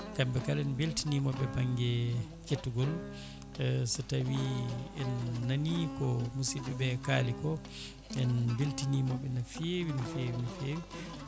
kamɓe kala en beltinimaɓe banggue kettogol so tawi en nani ko musiɓeɓe kaali ko en beltinamaɓe no fewi no fewi no fewi